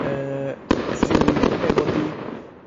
yy sydd efo ti